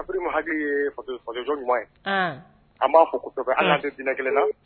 Mɔgɔ minnu hakili ye fasojɔ ɲuman ye, anhan, an b'a fo kosɛbɛ hali n’an tɛ dinɛ kelen na.